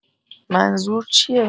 منظور چیه؟